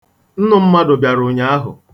Nnụ mmadụ bịara ụnyaahụ.